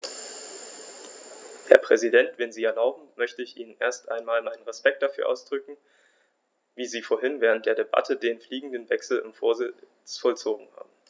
Herr Präsident, wenn Sie erlauben, möchte ich Ihnen erst einmal meinen Respekt dafür ausdrücken, wie Sie vorhin während der Debatte den fliegenden Wechsel im Vorsitz vollzogen haben.